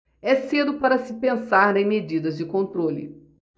é cedo para se pensar em medidas de controle